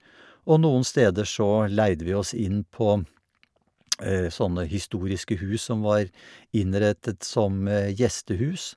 Og noen steder så leide vi oss inn på sånne historiske hus som var innrettet som gjestehus.